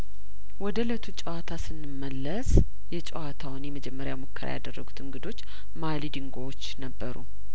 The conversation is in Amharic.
ወደ ለቱ ጨዋታ ስንመለስ የጨዋታውን የመጀመሪያ ሙከራ ያደረጉት እንግዶቹ ማሊዲንጐዎች ነበሩ